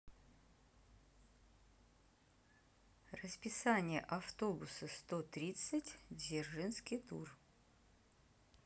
расписание автобуса сто тринадцать дзержинский тур